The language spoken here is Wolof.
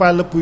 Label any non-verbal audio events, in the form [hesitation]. [hesitation] [hesitation]